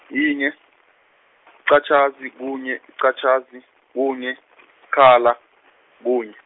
yinye, liqatjhazi, kunye, liqatjhazi, kunye, sikhala, kunye.